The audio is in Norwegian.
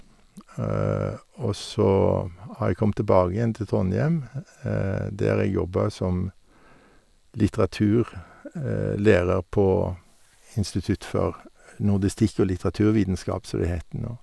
Og så har jeg kommet tilbake igjen til Trondhjem, der jeg jobba som litteraturlærer på Institutt for nordistikk og litteraturvitenskap, som det heter nå.